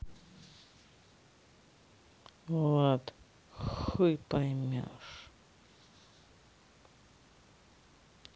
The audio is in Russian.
влад хуй поймешь